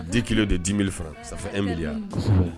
Di kelenlo de ye diele sa e mi